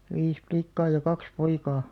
viisi likkaa ja kaksi poikaa